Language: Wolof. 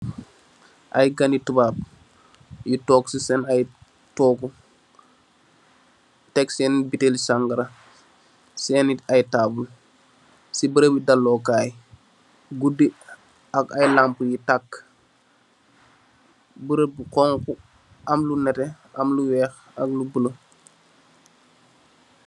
Aye gani tubaab, yu took si seen aye toogu, tek seen biteeli sangara, seeni aye toogu, si beureubi daloo kaay, gudi, ak aye lampu yu taak, beureubu khonkhu, am lu nete, am lu weekh ak lu buleuh.